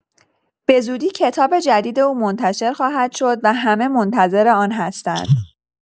بزودی کتاب جدید او منتشر خواهد شد و همه منتظر آن هستند.